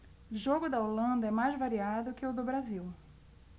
jogo da holanda é mais variado que o do brasil